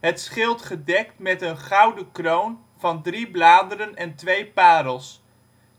het schild gedekt met een gouden kroon van drie bladeren en twee parels.